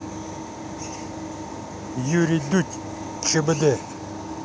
юрий дудь в чбд